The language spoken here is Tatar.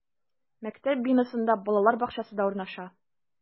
Мәктәп бинасында балалар бакчасы да урнаша.